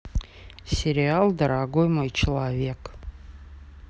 сериал дорогой мой человек